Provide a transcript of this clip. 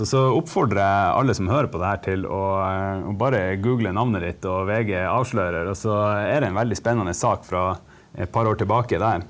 også oppfordrer jeg alle som hører på det her til å bare google navnet ditt og VG avslører, og så er det en veldig spennende sak fra et par år tilbake der.